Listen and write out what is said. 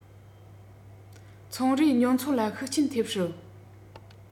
ཚོང རའི ཉོ ཚོང ལ ཤུགས རྐྱེན ཐེབས སྲིད